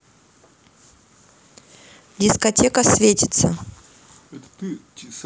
дискотека светится